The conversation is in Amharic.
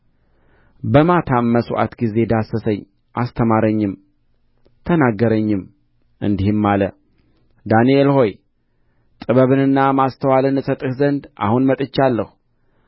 በማታም መሥዋዕት ጊዜ ዳሰሰኝ አስተማረኝም ተናገረኝም እንዲህም አለ ዳንኤል ሆይ ጥበብንና ማስተዋልን እሰጥህ ዘንድ አሁን መጥቻለሁ